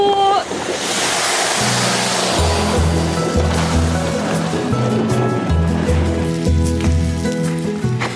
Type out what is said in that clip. W!